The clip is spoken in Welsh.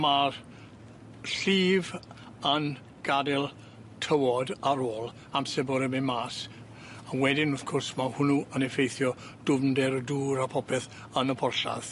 Ma'r llif yn gadel tywod ar ôl amser bod e'n mynd mas a wedyn, wrth gwrs, ma' hwnnw yn effeithio dwfnder y dŵr a popeth yn y porthlladd.